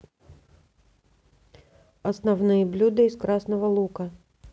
основные блюда без красного лука